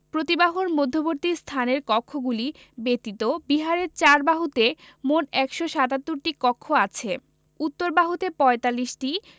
প্রতিবাহুর মধ্যবর্তী স্থানের কক্ষগুলি ব্যতীত বিহারের ৪ বাহুতে মোট ১৭৭টি কক্ষ আছে উত্তর বাহুতে ৪৫টি